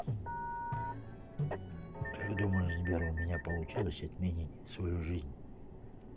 как думаешь сбер у меня получится отменить свою жизнь